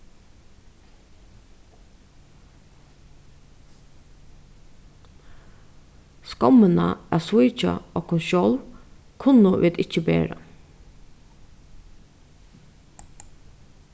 skommina at svíkja okkum sjálv kunnu vit ikki bera